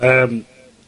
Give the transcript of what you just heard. yym,